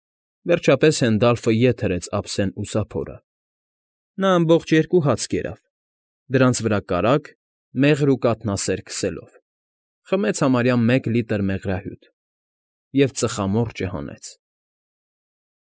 Վերջապես Հենդալֆը ետ հրեց ափսեն ու սափորը (նա ամբողջ երկու հաց կերավ, դրանց վրա կարագ, մեղր ու կաթնասեր քսելով, խմեց համարյա մեկ լիտր մեղրահյութ) և ծխամորճը հանեց։ ֊